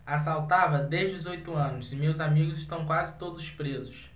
assaltava desde os oito anos e meus amigos estão quase todos presos